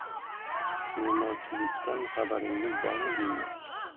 me'morchilikdan xabaringiz bormi deyman